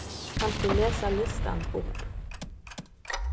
kanst tú lesa listan upp